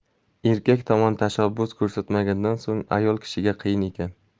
erkak tomon tashabbus ko'rsatmagandan so'ng ayol kishiga qiyin ekan